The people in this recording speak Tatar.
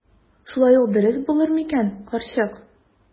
Шулай ук дөрес булыр микән, карчык?